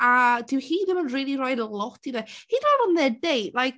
A dyw hi ddim yn rili rhoi lot i fe. Hyd yn oed on their date like...